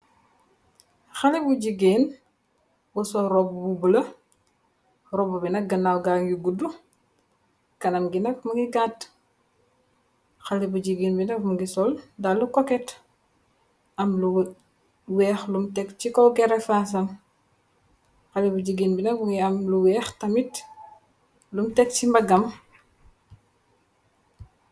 Xaleh bu jigeeen bu sol robu bu bulo robu bi nak ganaw gangi gudu kanam gi nak mungi gáteu khaleh bu jigeen bi nak mungi sol daleu kokêt am lu weex lum tex si kaw grefasam khaleh bu jieen bi nak mungi am lu weex tamit lum tek si mbagam